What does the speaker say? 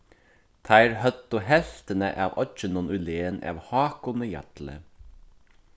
teir høvdu helvtina av oyggjunum í len av hákuni jalli